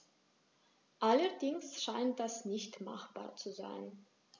Allerdings scheint das nicht machbar zu sein.